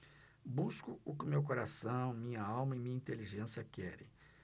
busco o que meu coração minha alma e minha inteligência querem